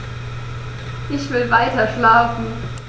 Ich will weiterschlafen.